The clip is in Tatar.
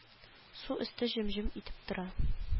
Су өсте җем-җем итеп тора